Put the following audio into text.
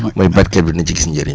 mooy béykat bi na ci gis njëriñ